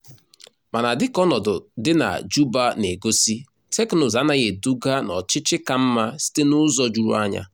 Mana, dịka ọnọdụ dị na Juba na-egosi, teknụzụ anaghị eduga n'ọchịchị ka mma site n'ụzọ juru anya.